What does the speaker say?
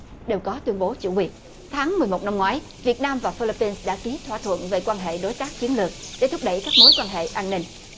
đều có tuyên bố chủ quyền tháng mười một năm ngoái việt nam và phi líp bin đã ký thỏa thuận về quan hệ đối tác chiến lược để thúc đẩy các mối quan hệ an ninh